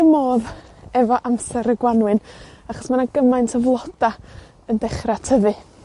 fy modd efo amser y Gwanwyn, achos ma' 'na gymaint o floda yn dechra tyfu.